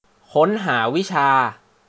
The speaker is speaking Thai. ค้นหาวิชา